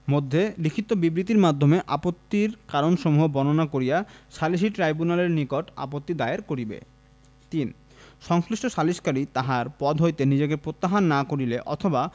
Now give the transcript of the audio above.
মধ্যে লিখিত বিবৃতির মাধ্যমে আপত্তির কারণসমূহ বর্ণনা করিয়া সালিসী ট্রইব্যুনালের নিকট আপত্তি দায়ের করিবে ৩ সংশ্লিষ্ট সালিসকারী তাহার পদ হইতে নিজেকে প্রত্যাহার না করিলে অথবা